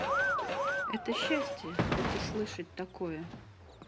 это счастье это слышать такое